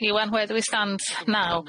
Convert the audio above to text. Iwan where do we stand now?